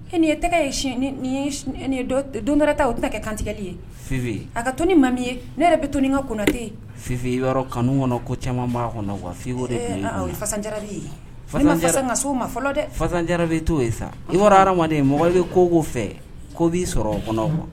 Nin ye tɛgɛ ye don dɔɛrɛ ta u tɛna kɛ kantigɛli ye fi a ka to ni ma min ye ne yɛrɛ bɛ to ka kunnanatɛ fifin i yɔrɔ kanu kɔnɔ ko caman kɔnɔ wa fi faso ma fɔlɔ dɛ fazsanjara bɛ too yen sa i yɔrɔ hadamaden ye mɔgɔ bɛ kogo fɛ ko' b'i sɔrɔ o kɔnɔ wa